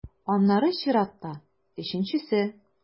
Аннары чиратта - өченчесе.